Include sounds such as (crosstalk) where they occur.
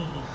(hesitation) (hesitation)